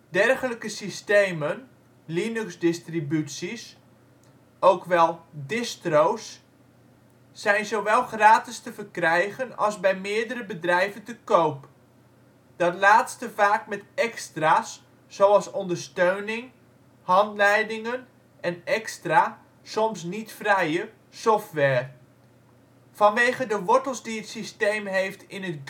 Dergelijke systemen, Linuxdistributies, of ook wel " distro 's ", zijn zowel gratis te verkrijgen als bij meerdere bedrijven te koop, dat laatste vaak met extra 's zoals ondersteuning, handleidingen en extra (soms " niet-vrije ") software. Vanwege de wortels die het systeem heeft in het